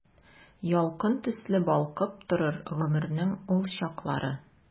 Ялкын төсле балкып торыр гомернең ул чаклары.